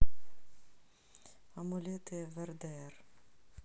амулеты в рдр